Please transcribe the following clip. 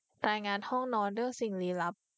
รายงานห้องนอนเรื่องสิ่งลี้ลับ